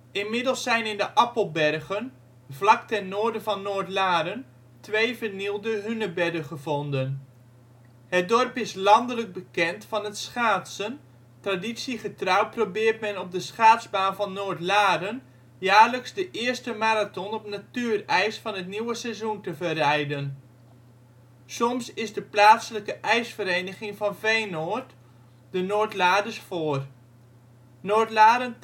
Inmiddels zijn in de Appelbergen, vlak ten noorden van Noordlaren, twee vernielde hunebedden gevonden. Het dorp is landelijk bekend van het schaatsen; traditiegetrouw probeert men op de schaatsbaan van Noordlaren jaarlijks de eerste marathon op natuurijs van het nieuwe seizoen te verrijden. Soms is de plaatselijke ijsvereniging van Veenoord de Noordlaarders voor. Noordlaren